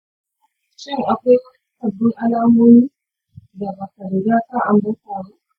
shin akwai wasu sabbin alamomi da ba ka riga ka ambata ba?